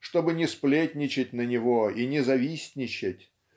чтобы не сплетничать на него и не завистничать